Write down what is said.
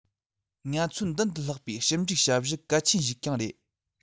ང ཚོའི མདུན དུ ལྷགས པའི ཞིབ འཇུག བྱ གཞི གལ ཆེན ཞིག ཀྱང རེད